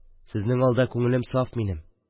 Сезнең алда күңелем саф минем.